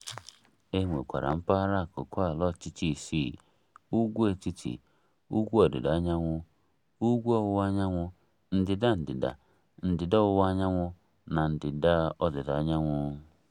E nwekwara mpaghara akụkụ ala ọchịchị isii : Ugwu Etiti, Ugwu Ọdịdaanyanwụ, Ugwu Ọwụwaanyanwụ, Ndịda Ndịda, Ndịda Ọwụwaanyanwụ, na Ndịda Ọdịdaanyanwụ.